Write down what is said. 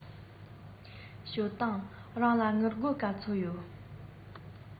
ཞའོ ཏིང རང ལ དངུལ སྒོར ག ཚོད ཡོད